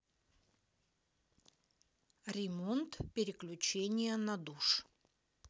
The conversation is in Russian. ремонт переключения на душ